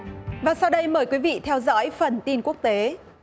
và sau đây mời quý vị theo dõi phần tin quốc tế